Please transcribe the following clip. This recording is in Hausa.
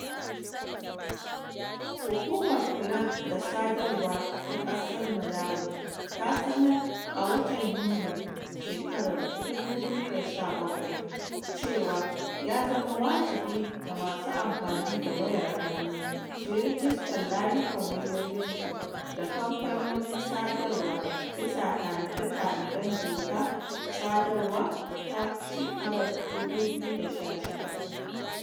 Hukumar Kula da Sadarwa ta ƙasar Malawi ta sanar a watan Yunin shekarar 2017 cewa ya zama wajibi ga masu amfani da wayar hannu su yi rajistar layukan wayoyinsu da kamfanonin sadarwa, bisa tanade-tanaden dokar sadarwa ta shekarar 2016.